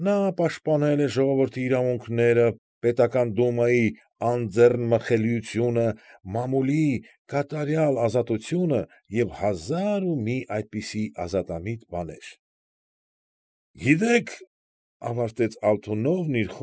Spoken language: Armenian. Նա պաշտպանել է ժողովրդի իրավունքները, պետական դումայի անձեռնմխելիությունը, մամուլի կատարյալ ազատությունը և հազար ու մի այդպիսի ազատամիտ բաներ։ ֊ Գիտեք,֊ ավարտեց Ալթունովն իր։